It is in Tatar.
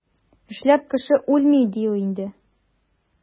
Эшләп кеше үлми, диюе инде.